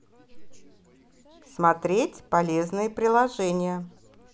смотреть полезные приложения